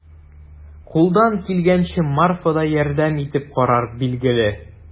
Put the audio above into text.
Кулдан килгәнчә Марфа да ярдәм итеп карар, билгеле.